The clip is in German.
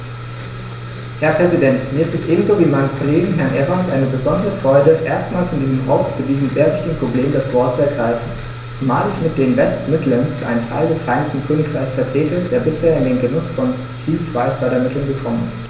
Herr Präsident, mir ist es ebenso wie meinem Kollegen Herrn Evans eine besondere Freude, erstmals in diesem Haus zu diesem sehr wichtigen Problem das Wort zu ergreifen, zumal ich mit den West Midlands einen Teil des Vereinigten Königreichs vertrete, der bisher in den Genuß von Ziel-2-Fördermitteln gekommen ist.